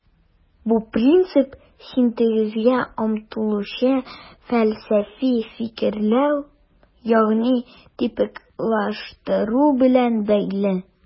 Бу принцип синтезга омтылучы фәлсәфи фикерләү, ягъни типиклаштыру белән бәйле.